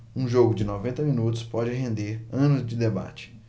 um jogo de noventa minutos pode render anos de debate